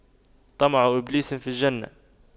طمع إبليس في الجنة